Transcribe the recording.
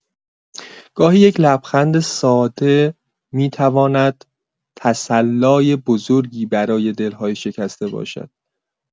گاهی یک لبخند ساده می‌تواند تسلی بزرگی برای دل‌های شکسته باشد.